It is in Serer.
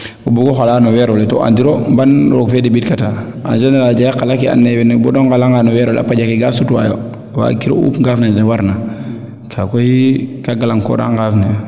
o bugo xala no weero le to andiro mban roog fee dembit kata ewn generale a jega qala ka ando naye wene bo de ngala nga no weero le a paƴake sutwaa yo waag kiro uup ngaaf ne ne warna kaaga koy kaa galang koora ngaaf ne